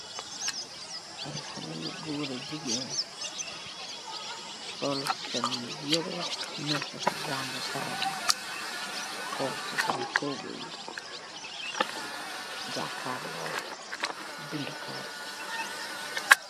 Haleh yuu goor ak jigeen yuu nehka di janggeei